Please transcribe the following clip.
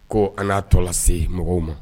Ko an na tɔ lase mɔgɔw ma.